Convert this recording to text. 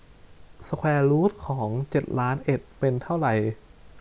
สแควร์รูทของเจ็ดล้านเอ็ดเป็นเท่าไหร่